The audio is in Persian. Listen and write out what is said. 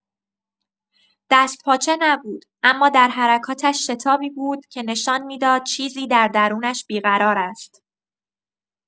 دستپاچه نبود، اما در حرکاتش شتابی بود که نشان می‌داد چیزی در درونش بی‌قرار است.